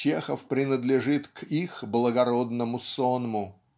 Чехов принадлежит к их благородному сонму